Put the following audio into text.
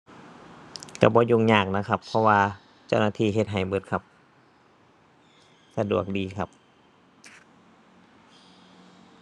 ก็บ่ยุ่งยากนะครับ เพราะว่าเจ้าหน้าที่เฮ็ดให้เบิดครับ สะดวกดีครับ